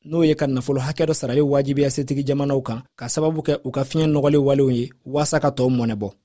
n'o ye ka nafolo hakɛ dɔ saraliko waajibiya setigijamanaw kan ka sababu kɛ u ka fiɲɛ nɔgɔli walew kan waasa ka tɔw mɔnɛ bɔ